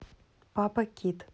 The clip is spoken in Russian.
папа кит